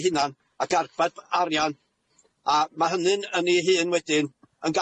'u hunan ac arbed arian a ma' hynny'n yn 'i hun wedyn yn